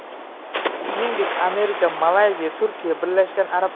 shuningdek amerika malayziya turkiya birlashgan